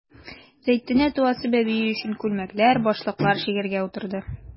Зәйтүнә туасы бәбие өчен күлмәкләр, башлыклар чигәргә утырды.